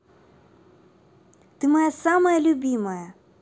ты моя самая любимая